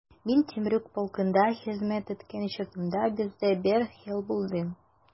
Мин Темрюк полкында хезмәт иткән чагымда, бездә бер хәл булды.